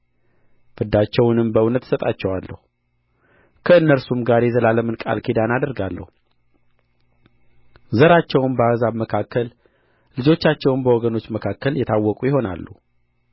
ፍዳቸውንም በእውነት እሰጣቸዋለሁ ከእነርሱም ጋር የዘላለም ቃል ኪዳን አደርጋለሁ ዘራቸውም በአሕዛብ መካከል ልጆቻቸውም በወገኖች መካከል የታወቁ ይሆናሉ